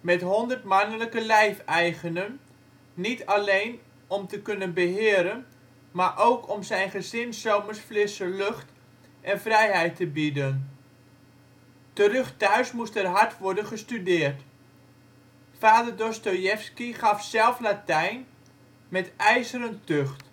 met honderd mannelijke lijfeigenen, niet alleen om te kunnen beheren, maar ook om zijn gezin ' s zomers frisse lucht en vrijheid te bieden. Terug thuis moest er hard worden gestudeerd. Vader Dostojevski gaf zelf Latijn met ' ijzeren tucht